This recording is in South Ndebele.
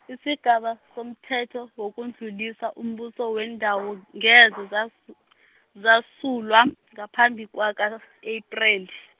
isigaba somthetho wokudlulisa umbuso wendawo ngeze sasu- sasulwa, ngaphambi kwaka-Apreli .